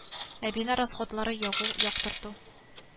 Ә бина расходлары ягу яктырту